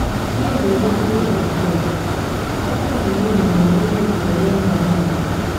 Ihe mberede okporo ụzọ Deptford: Ọkwọ anyịnya igwe nwụrụ n’ihe mberede yana ụgbọ ala